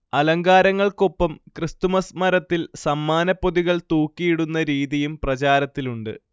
അലങ്കാരങ്ങൾക്കൊപ്പം Christmas മരത്തിൽ സമ്മാനപ്പൊതികൾ തൂക്കിയിടുന്ന രീതിയും പ്രചാരത്തിലുണ്ട്